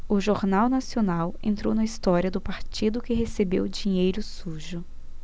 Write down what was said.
o jornal nacional entrou na história do partido que recebeu dinheiro sujo